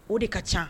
O de ka ca